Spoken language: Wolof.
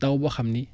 taw boo xam ni